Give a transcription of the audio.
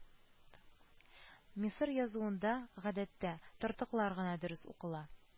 Мисыр язуында, гадәттә, тартыклар гына дөрес укыла